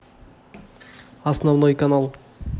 основной канал